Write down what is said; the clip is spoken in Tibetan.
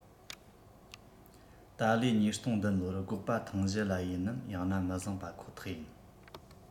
ད ལོའི ཉིས སྟོང བདུན ལོར སྒོག པ ཐང གཞི ལ ཡིན ནམ ཡང ན མི བཟང པ ཁོ ཐག ཡིན